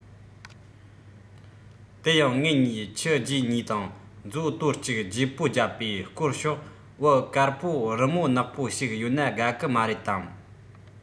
དེ ཡང ངེད གཉིས ཁྱི རྒྱའུ གཉིས དང མཚོ དོར གཅིག བརྗེ པོ བརྒྱབ པའི སྐོར ཤོག བུ དཀར པོར རི མོ ནག པོ ཞིག ཡོད ན དགའ གི མ རེད དམ